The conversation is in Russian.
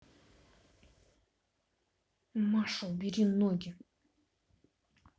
маша убери ноги